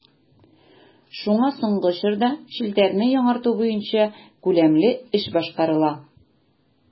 Шуңа соңгы чорда челтәрне яңарту буенча күләмле эш башкарыла.